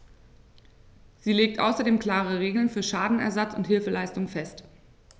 Sie legt außerdem klare Regeln für Schadenersatz und Hilfeleistung fest.